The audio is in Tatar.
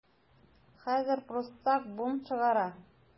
Хәзер пруссак бунт чыгара.